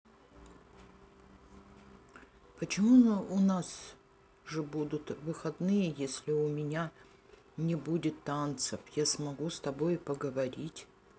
почему у нас же будут выходные если у меня не будет танцев я смогу с тобой поговорить